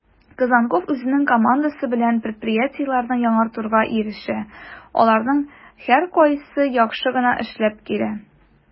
Козонков үзенең командасы белән предприятиеләрне яңартуга ирешә, аларның һәркайсы яхшы гына эшләп килә: